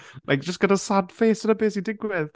Like just got a sad face a 'na be sy'n digwydd.